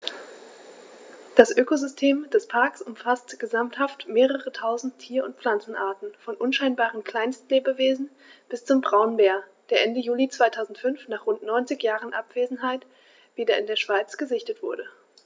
Das Ökosystem des Parks umfasst gesamthaft mehrere tausend Tier- und Pflanzenarten, von unscheinbaren Kleinstlebewesen bis zum Braunbär, der Ende Juli 2005, nach rund 90 Jahren Abwesenheit, wieder in der Schweiz gesichtet wurde.